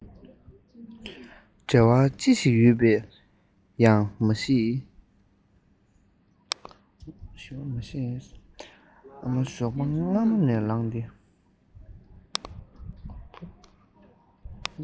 འབྲེལ བ ཅི ཞིག ཡོད པ ཡང མ ཤེས